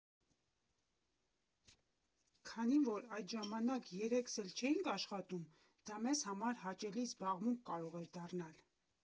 Քանի որ այդ ժամանակ երեքս էլ չէինք աշխատում, դա մեզ համար հաճելի զբաղմունք կարող էր դառնալ։